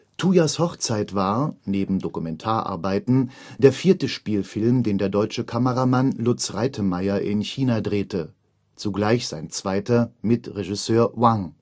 Tuyas Hochzeit war, neben Dokumentararbeiten, der vierte Spielfilm, den der deutsche Kameramann Lutz Reitemeier in China drehte, zugleich sein zweiter mit Regisseur Wang